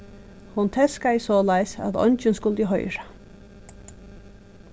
hon teskaði soleiðis at eingin skuldi hoyra